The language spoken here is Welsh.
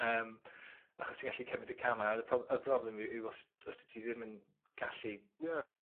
Yym achos ti'n gallu cymryd y camau. On' y pro- y broblem yw yw os os dwyt ti ddim yn gallu... Ie.